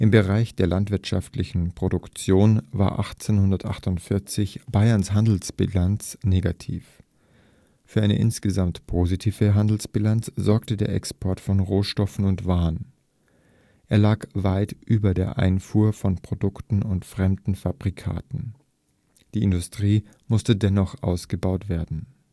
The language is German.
Bereich der landwirtschaftlichen Produktion war 1848 Bayerns Handelsbilanz negativ. Für eine insgesamt positive Handelsbilanz sorgte der Export von Rohstoffen und Waren; er lag weit über der Einfuhr von Produkten und fremden Fabrikaten. Die Industrie musste dennoch ausgebaut werden